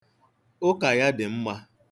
Ụka ya dị mma.